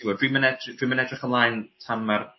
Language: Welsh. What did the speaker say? t'wod dwi'm yn edr- dwi'm yn edrych ymlaen tan ma'r